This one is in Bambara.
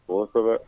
O kosɛbɛ